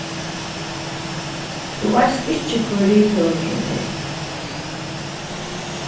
tú veitst ikki hvør rithøvundurin er